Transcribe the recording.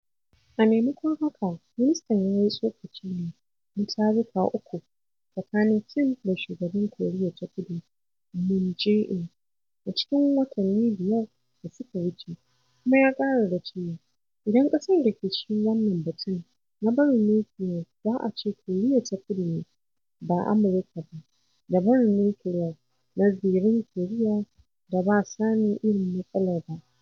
A maimakon haka ministan ya yi tsokaci ne na taruka uku tsakanin Kim da shugaban Koriya ta Kudu Moon Jae-in a cikin watanni biyar da suka wuce kuma ya ƙara da cewa: “Idan kasar da ke cikin wannan batun na barin nukiliya za a ce Koriya ta Kudu ne ba Amurka ba da barin nukiliyar na zirin Koriya da ba sami irin matsalar ba.”